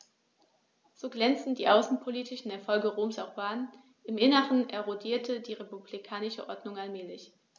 So glänzend die außenpolitischen Erfolge Roms auch waren: Im Inneren erodierte die republikanische Ordnung allmählich.